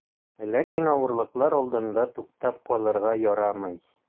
Ләкин авырлыклар алдында туктап калырга ярамый.